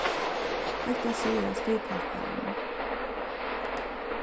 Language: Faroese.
hetta siga stigtakararnir